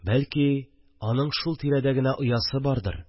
Бәлки, аның шул тирәдә генә оясы бардыр